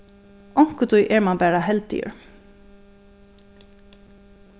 onkuntíð er mann bara heldigur